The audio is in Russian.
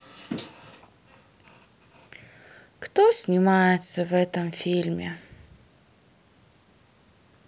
кто снимается в этом фильме